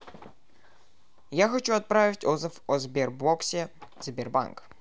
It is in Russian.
я хочу отправить отзыв о сбербоксе сбербанк